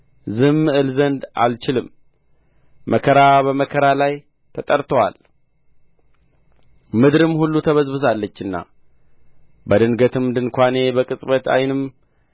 ዝም እል ዘንድ አልችልም መከራ በመከራ ላይ ተጠርቶአል ምድርም ሁሉ ተበዝብዛለችና በድንገትም ድንኳኔ በቅጽበት ዓይንም